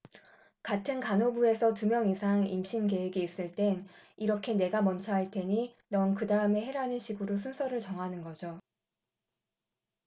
같은 간호부에서 두 명 이상 임신 계획이 있을 땐 이렇게 내가 먼저 할 테니 넌 그다음에 해라는 식으로 순서를 정하는 거죠